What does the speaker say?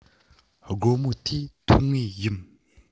སྒོར མོ དེ ཐོབ ངེས ཡིན